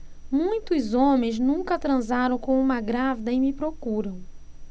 muitos homens nunca transaram com uma grávida e me procuram